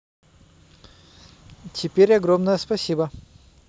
теперь огромное спасибо